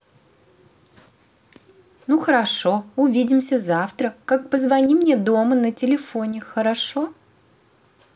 ну хорошо увидимся завтра как позвони мне дома на телефоне хорошо